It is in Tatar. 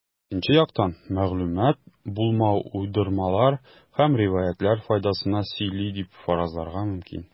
Икенче яктан, мәгълүмат булмау уйдырмалар һәм риваятьләр файдасына сөйли дип фаразларга мөмкин.